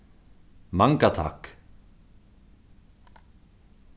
manga takk